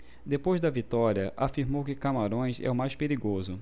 depois da vitória afirmou que camarões é o mais perigoso